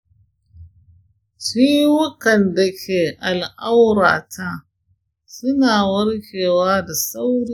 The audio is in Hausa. ciwukan dake al'aurata suna warkewa da sauri.